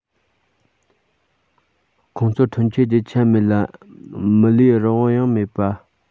ཁོང ཚོར ཐོན སྐྱེད རྒྱུ ཆ མེད ལ མི ལུས རང དབང ཡང མེད པར